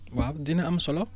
waaw dina am solo